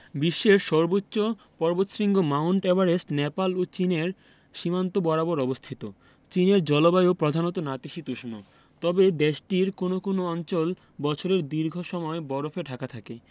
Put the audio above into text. বিশ্বের সর্বোচ্চ পর্বতশৃঙ্গ মাউন্ট এভারেস্ট নেপাল ও চীনের সীমান্ত বরাবর অবস্থিত চীনের জলবায়ু প্রধানত নাতিশীতোষ্ণ তবে দেশটির কোনো কোনো অঞ্চল বছরের দীর্ঘ সময় বরফে ঢাকা থাকে